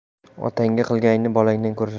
otangga qilganingni bolangdan ko'rarsan